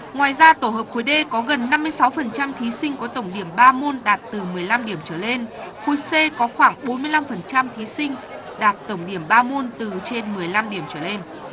ngoài ra tổ hợp khối đê có gần năm mươi sáu phần trăm thí sinh có tổng điểm ba môn đạt từ mười lăm điểm trở lên khối xê có khoảng bốn mươi lăm phần trăm thí sinh đạt tổng điểm ba môn từ trên mười lăm điểm trở lên